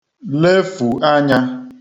-lefù anyā